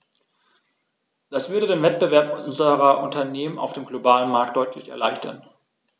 Das würde den Wettbewerb unserer Unternehmen auf dem globalen Markt deutlich erleichtern.